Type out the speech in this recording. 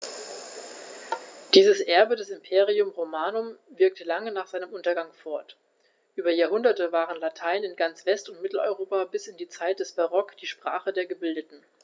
Dieses Erbe des Imperium Romanum wirkte lange nach seinem Untergang fort: Über Jahrhunderte war Latein in ganz West- und Mitteleuropa bis in die Zeit des Barock die Sprache der Gebildeten.